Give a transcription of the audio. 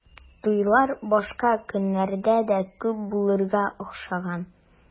Туйлар башка көннәрдә дә күп булырга охшаган.